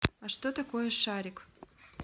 а что такое шарик